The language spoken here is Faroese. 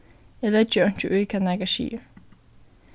eg leggi einki í hvat nakar sigur